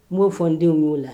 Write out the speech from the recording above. N b'o fɔ n denw y'o la